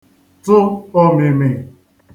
tụ omìmì